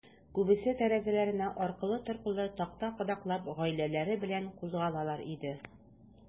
Күбесе, тәрәзәләренә аркылы-торкылы такта кадаклап, гаиләләре белән кузгалалар иде.